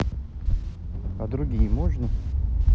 а другие можно